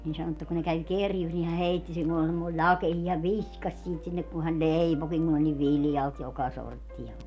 niin sanoi että kun ne kävi kerjuussa niin hän heitti siinä oli semmoisia lakeisia hän viskasi siitä sinne kun hän leipoikin kun oli niin viljalti joka sorttia